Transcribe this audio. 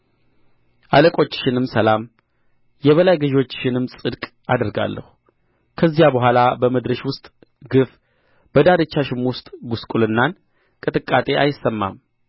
አለቆችሽንም ሰላም የበላይ ገዢዎችሽንም ጽድቅ አደርጋለሁ ከዚያ በኋላ በምድርሽ ውስጥ ግፍ በዳርቻሽም ውስጥ ጕስቍልናና ቅጥቃጤ አይሰማም